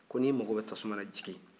ko n'i mago bɛ tasuma na jigin